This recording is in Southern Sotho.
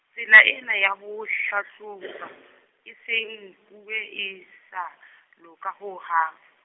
tsela ena ya ho hlahlojwa, e se e nkuwe e sa, loka ho hang.